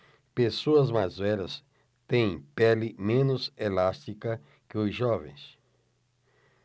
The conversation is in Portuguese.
pessoas mais velhas têm pele menos elástica que os jovens